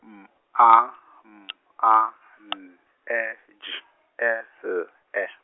M A M A N E J E L E.